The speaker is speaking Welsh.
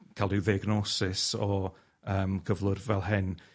ca'l ryw ddiagnosis o yym gyflwr fel hyn